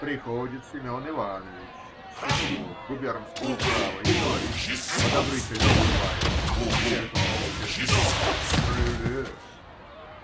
Приходит Семен Иванович, счетовод губернской управы, и говорит, одобрительно улыбаясь: -- Читал, читал. Прелестно.